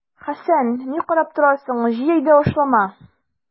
Хәсән, ни карап торасың, җый әйдә ашлама!